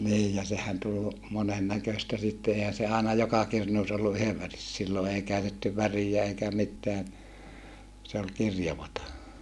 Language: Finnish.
niin ja sehän tuli monen näköistä sitten eihän se aina joka kirnussa ollut yhden - silloin ei käytetty väriä eikä mitään se oli kirjavaa